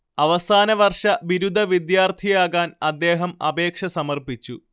അവസാനവർഷ ബിരുദ വിദ്യാർത്ഥിയാകാൻ അദ്ദേഹം അപേക്ഷ സമർപ്പിച്ചു